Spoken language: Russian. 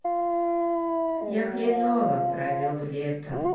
я хреново провел лето